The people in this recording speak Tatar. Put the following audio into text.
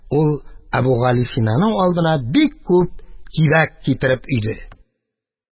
Ул Әбүгалисинаның алдына бик күп кибәк китереп өйде.